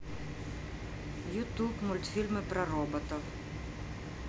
ютуб мультфильмы про роботов